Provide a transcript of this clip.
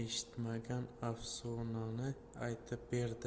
eshitmagan afsonani aytib berdi